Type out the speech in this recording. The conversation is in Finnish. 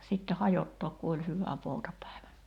ja sitten hajottaa kun oli hyvä poutapäivä